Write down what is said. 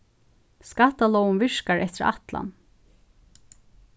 skattalógin virkar eftir ætlan